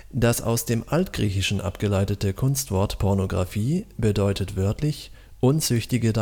Das aus dem Altgriechischen abgeleitete Kunstwort „ Pornografie “bedeutet wörtlich unzüchtige